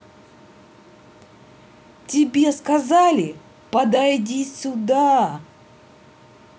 тебе сказали подойди сюда